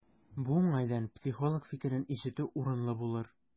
Бу уңайдан психолог фикерен ишетү урынлы булыр.